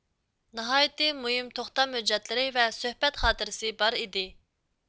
ناھايتى مۇھىم توختام ھۈججەتلىرى ۋە سۆھبەت خاتىرىسى بار ئىدى